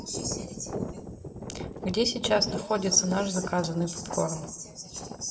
где сейчас находится наш заказанный попкорн